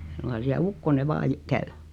ei suinkaan siellä ukkonen vain - käy